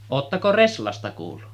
oletteko reslasta kuullut